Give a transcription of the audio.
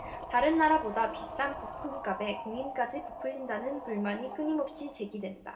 다른 나라보다 비싼 부품값에 공임까지 부풀린다는 불만이 끊임없이 제기된다